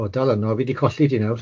O dal arno fi 'di colli ti nawr.